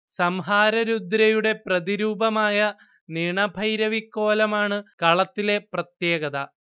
സംഹാര രുദ്രയുടെ പ്രതിരൂപമായ നിണഭൈരവി കോലമാണ് കളത്തിലെ പ്രത്യേകത